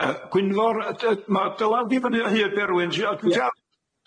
Yy Gwynfor yy dy- ma' dy law di fyny o hyd Berwyn, ti a- ti'n iawn?